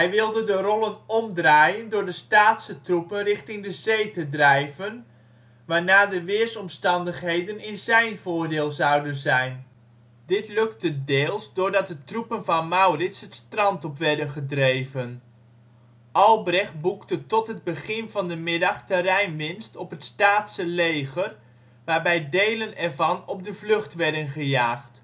wilde de rollen omdraaien door de Staatse troepen richting de zee te drijven, waarna de weersomstandigheden in zíjn voordeel zouden zijn. Dit lukte deels doordat de troepen van Maurits het strand op werden gedreven. Albrecht boekte tot het begin van de middag terreinwinst op het Staatse leger, waarbij delen ervan op de vlucht werden gejaagd